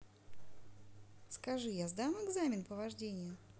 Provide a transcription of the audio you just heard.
скажи я сдам экзамен по вождению